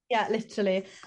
Ie litrally.